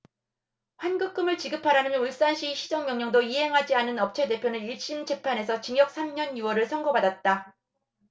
환급금을 지급하라는 울산시의 시정명령도 이행하지 않은 업체대표는 일 심 재판에서 징역 삼 년 유 월을 선고받았다